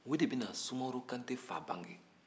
o de bɛnna sumaworo kantɛ fa bange